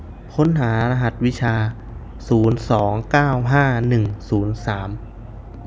ค้นหารหัสวิชาศูนย์สองเก้าห้าหนึ่งศูนย์สาม